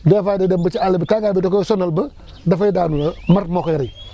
des fois day dem ba si àll bi tàngaay bi da koy sonal ba dafay daanu mar moo koy rey